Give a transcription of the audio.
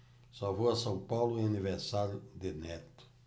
só vou a são paulo em aniversário de neto